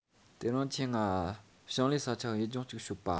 དེ རིང ཁྱོས ངའ ཞིང ལས ས ཆ གི ཡུལ ལྗོངས ཅིག ཤོད པྰ